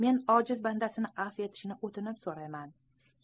men ojiz bandasini afv etishini o'tinib so'rayman